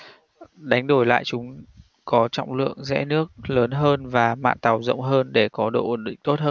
đánh đổi lại chúng có trọng lượng rẽ nước lớn hơn và mạn tàu rộng hơn để có độ ổn định tốt